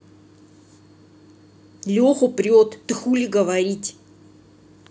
леху прет ты хули говорить